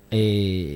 Ee